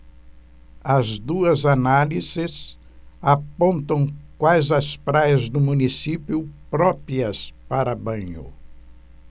as duas análises apontam quais as praias do município próprias para banho